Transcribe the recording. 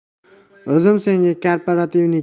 o'zim senga kooperativniy